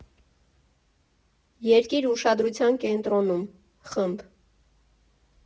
Երկիր ուշադրության կենտրոնում ֊ խմբ.